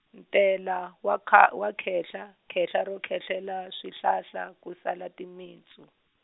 ntela wa kha- wa khehla khehla ro khehlelela swihlahla ku sala timintsu.